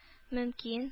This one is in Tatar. Мөмкин